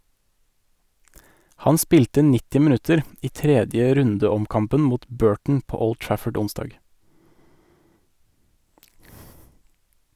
Han spilte 90 minutter i 3. runde-omkampen mot Burton på Old Trafford onsdag.